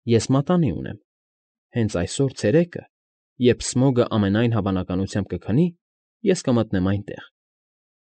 Ես մատանի ունեմ։ Հենց այսօր, ցերեկը, երբ Սմոգը ամենայն հավանականությամբ կքնի, ես կմտնեմ այնտեղ։